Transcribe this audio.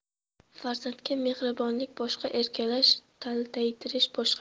farzandga mehribonlik boshqa erkalash taltaytish boshqa